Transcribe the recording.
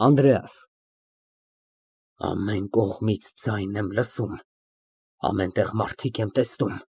ԱՆԴՐԵԱՍ ֊ Ամեն կողմից ձայն եմ լսում, ամեն տեղ մարդիկ եմ տեսնում։